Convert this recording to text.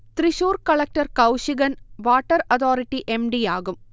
Thrissur collector Kaushigan water authority M. D. യാകും